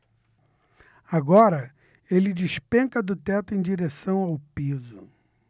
agora ele despenca do teto em direção ao piso